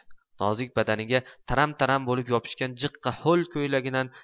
nozik badaniga taram taram bo'lib yopishgan jiqqa ho'l ko'ylagidan